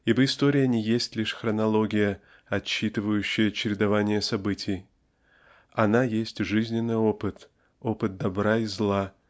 Ибо история не есть лишь хронология отсчитывающая чередование событий она есть жизненный опыт опыт добра и зла